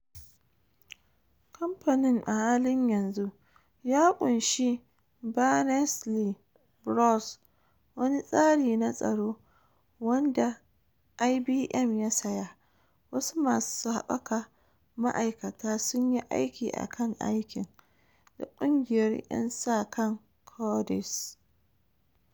Kamfanin a halin yanzu ya ƙunshi Berners-Lee, Bruce, wani tsari na tsaro wanda IBM ya saya, wasu masu haɓaka ma'aikata sun yi aiki akan aikin, da ƙungiyar ‘yan sa kan coders.